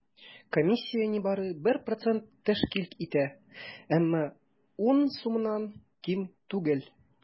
Комиссия нибары 1 процент тәшкил итә, әмма 10 сумнан ким түгел.